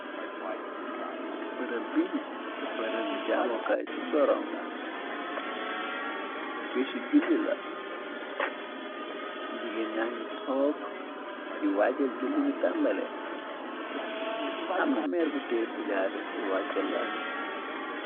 Berembi bi berembi yi jaamokaay suun barom la besu julli la jigeen ya ngi took di waajal julli bi tambale amna meer bu tey sajaada pur wacxa laal.